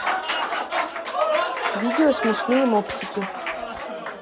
видео смешные мопсики